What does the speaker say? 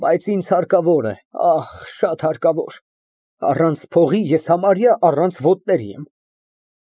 Բայց ինձ հարկավոր է, ախ, շատ հարկավոր։ Առանց փողի ես համարյա առանց ոտների եմ։